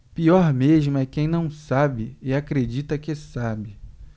pior mesmo é quem não sabe e acredita que sabe